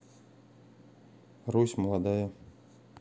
русь молодая